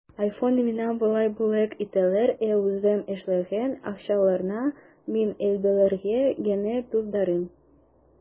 Айфонны миңа болай бүләк итәләр, ә үзем эшләгән акчаларны мин әйберләргә генә туздырам.